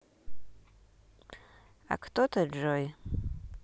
а кто ты джой